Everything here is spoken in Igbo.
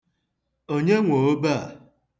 Onye nwe obe a?